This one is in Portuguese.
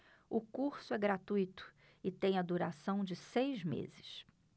o curso é gratuito e tem a duração de seis meses